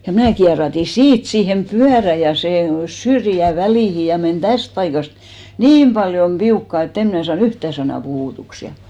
ja minä kierähdin siitä siihen pyörään ja sen syrjän väliin ja meni tästä paikasta niin paljon piukkaan että en minä saanut yhtään sanaa puhutuksi ja